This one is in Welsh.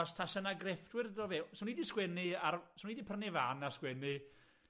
Achos tasa 'na grefftwyr do' fe- swn i 'di sgwennu ar- swn i 'di prynu fan a sgwennu